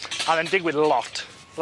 a o'dd e'n digwydd lot.